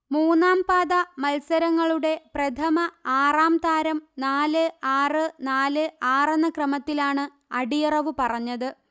മൂന്നാംപാദ മല്സരങ്ങളുടെ പ്രഥമ ആറാം താരം നാൽ ആറ് നാൽ ആറെന്ന ക്രമത്തിലാണ് അടിയറവു പറഞ്ഞത്